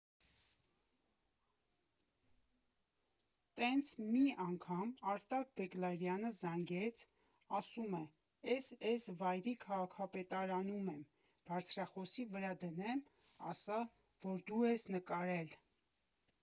Տենց մի անգամ Արտակ Բեգլարյանը զանգեց, ասում է՝ էս֊էս վայրի քաղաքապետարանում եմ, բարձրախոսի վրա դնեմ, ասա, որ դու ես նկարել։